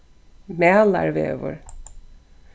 malarvegur